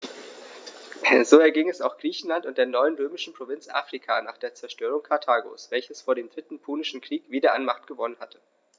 So erging es auch Griechenland und der neuen römischen Provinz Afrika nach der Zerstörung Karthagos, welches vor dem Dritten Punischen Krieg wieder an Macht gewonnen hatte.